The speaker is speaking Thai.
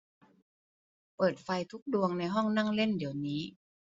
เปิดไฟทุกดวงในห้องนั่งเล่นเดี๋ยวนี้